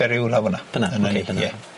Beryw lawr fan 'na.